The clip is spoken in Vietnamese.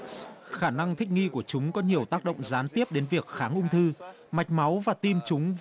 khả năng thích nghi của chúng có nhiều tác động gián tiếp đến việc kháng ung thư mạch máu và tim chúng